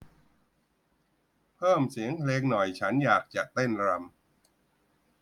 เพิ่มเสียงเพลงหน่อยฉันอยากจะเต้นรำ